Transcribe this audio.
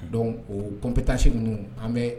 Donc oo compétence ninnu an bɛɛ